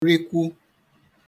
rikwu